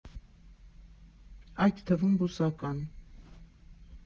Այդ թվում՝ բուսական։